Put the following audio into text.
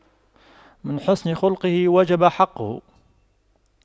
من حسن خُلقُه وجب حقُّه